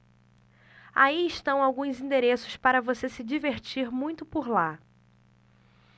aí estão alguns endereços para você se divertir muito por lá